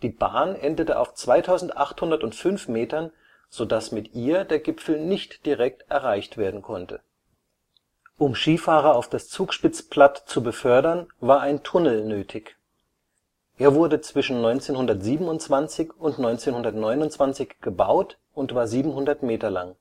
Bahn endete auf 2805 Metern, sodass mit ihr der Gipfel nicht direkt erreicht werden konnte. Um Skifahrer auf das Zugspitzplatt zu befördern, war ein Tunnel nötig. Er wurde zwischen 1927 und 1929 gebaut und war 700 Meter lang